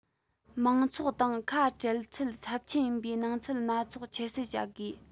མང ཚོགས དང ཁ བྲལ ཚུལ ཚབས ཆེན ཡིན པའི སྣང ཚུལ སྣ ཚོགས ཁྱད བསད བྱ དགོས